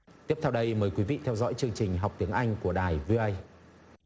tiếp theo đây mời quý vị theo dõi chương trình học tiếng anh của đài vi ô ây